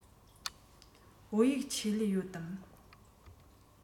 བོད ཡིག ཆེད ལས ཡོད དམ